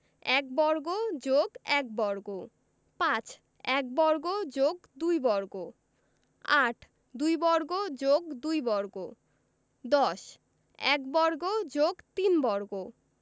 ১ বর্গ + ১ বর্গ ৫ ১ বর্গ + ২ বর্গ ৮ ২ বর্গ + ২ বর্গ ১০ ১ বর্গ + ৩ বর্গ